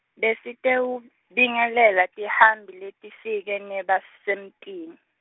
besitewubingelela tihambi letifike nebasemtini.